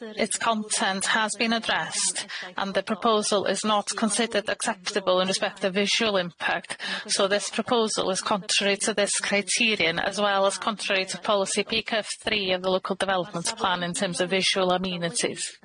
It's content has been addressed and the proposal is not considered acceptable in respect of visual impact so this proposal is contrary to this criterion as well as contrary to policy peak of three of the local development plan in terms of visual amenities.